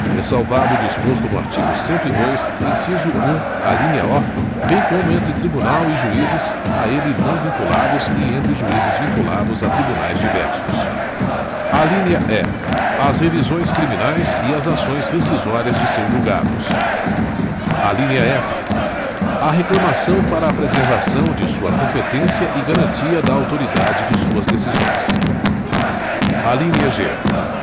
ressalvado o disposto no artigo cento e dois inciso um alínea o bem como entre tribunal e juízes a ele não vinculados e entre juízes vinculados a tribunais diversos alínea e as revisões criminais e as ações rescisórias de seus julgados alínea f a reclamação para a preservação de sua competência e garantia da autoridade de suas decisões alínea g